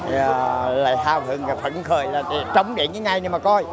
à lại hào hứng và phấn khởi là để trông đến cái ngày ni mà coi